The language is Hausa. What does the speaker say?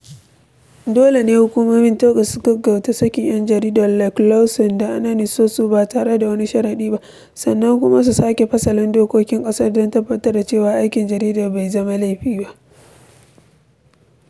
Dole ne hukumomin Togo su gaggauta saki yan jarida Loïc Lawson da Anani Sossou ba tare da wani sharadi ba, sannan kuma su sake fasalin dokokin ƙasar don tabbatar da cewa aikin jarida bai zama laifi ba.